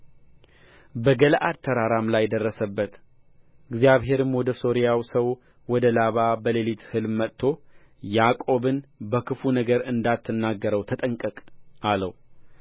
በገለዓድ ተራራም ላይ ደረሰበት እግዚአብሔርም ወደ ሶርያው ሰው ወደ ላባ በሌሊት ሕልም መጥቶ ያዕቆብን በክፉ ነገር እንዳትናገረው ተጠንቀቅ አለው